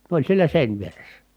ne oli siellä seinävieressä